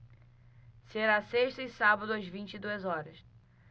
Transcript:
será sexta e sábado às vinte e duas horas